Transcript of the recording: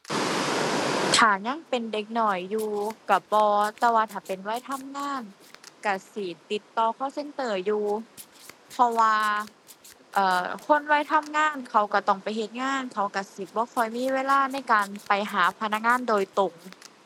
ถ้ายังเป็นเด็กน้อยอยู่ก็บ่ แต่ว่าถ้าเป็นวัยทำงานก็สิติดต่อ call center อยู่ เพราะว่า เอ่อ คนวัยทำงานเขาก็ต้องไปเฮ็ดงาน เขาก็สิบ่ค่อยมีเวลาในการไปหาพนักงานโดยตรง